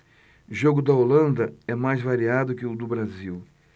jogo da holanda é mais variado que o do brasil